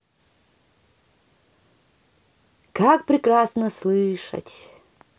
как прекрасно слышать